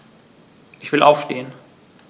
Ich will aufstehen.